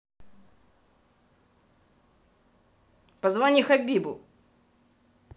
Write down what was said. позвони хабибу